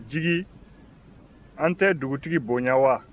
jigi an tɛ dugutigi bonya wa